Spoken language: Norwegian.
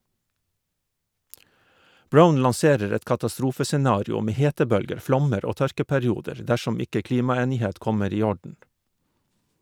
Brown lanserer et katastrofe-scenario med hetebølger, flommer og tørkeperioder dersom ikke klimaenighet kommer i orden.